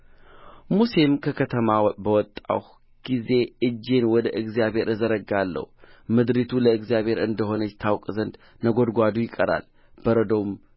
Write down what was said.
ሙሴም ከከተማ በወጣሁ ጊዜ እጄን ወደ እግዚአብሔር እዘረጋለሁ ምድሪቱ ለእግዚአብሔር እንደሆነች ታውቅ ዘንድ ነጎድጓዱ ይቀራል በረዶውም